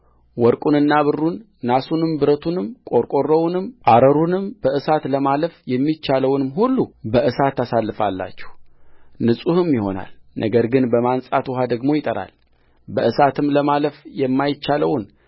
ወርቁንና ብሩን ናሱንም ብረቱንም ቆርቆሮውንምአረሩንም በእሳት ለማለፍ የሚችለውን ሁሉ በእሳት ታሳልፉታላችሁ ንጹሕም ይሆናል ነገር ግን በማንጻት ውኃ ደግሞ ይጠራል በእሳትም ለማለፍ የማይችለውን